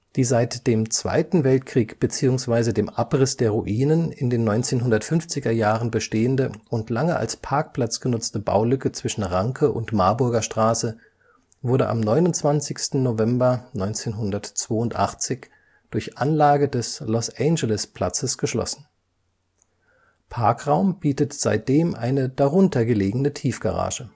Die seit dem Zweiten Weltkrieg bzw. dem Abriss der Ruinen in den 1950er Jahren bestehende und lange als Parkplatz genutzte Baulücke zwischen Ranke - und Marburger Straße wurde am 29. November 1982 durch Anlage des Los-Angeles-Platzes geschlossen. Parkraum bietet seitdem eine darunter gelegene Tiefgarage